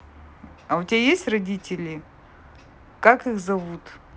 а у тебя есть родители как их зовут